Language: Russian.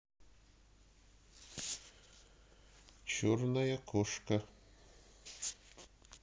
черная кошка